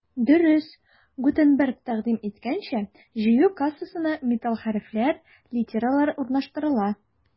Дөрес, Гутенберг тәкъдим иткәнчә, җыю кассасына металл хәрефләр — литералар урнаштырыла.